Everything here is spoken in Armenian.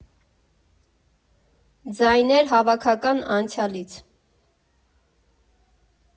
Ձայներ հավաքական անցյալից։